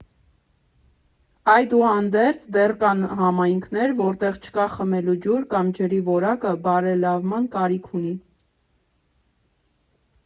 Այդուհանդերձ, դեռ կան համայնքներ, որտեղ չկա խմելու ջուր կամ ջրի որակը բարելավման կարիք ունի։